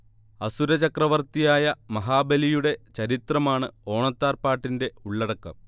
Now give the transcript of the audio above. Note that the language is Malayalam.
അസുര ചക്രവർത്തിയായ മഹാബലിയുടെ ചരിത്രമാണ് ഓണത്താർ പാട്ടിന്റെ ഉള്ളടക്കം